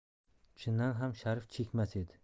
chindan ham sharif chekmas edi